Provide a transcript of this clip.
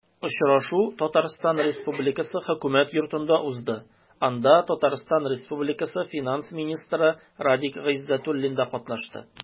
Очрашу Татарстан Республикасы Хөкүмәт Йортында узды, анда ТР финанс министры Радик Гайзатуллин да катнашты.